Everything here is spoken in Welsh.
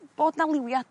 bod 'na liwia